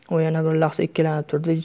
u yana bir lahza ikkilanib turdi da